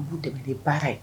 U b tigɛ ye baara ye